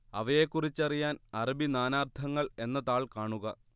അവയെക്കുറിച്ചറിയാൻ അറബി നാനാർത്ഥങ്ങൾ എന്ന താൾ കാണുക